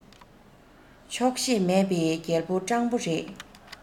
ཆོག ཤེས མེད པའི རྒྱལ པོ སྤྲང པོ རེད